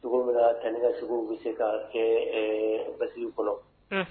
Sogo bɛna taa ne ka segu u bɛ se ka kɛ basiw kɔnɔ